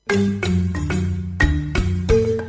Wa